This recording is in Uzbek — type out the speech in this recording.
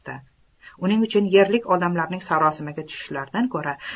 uning uchun yerlik odamlarning sarosimaga tushishlaridan ko'ra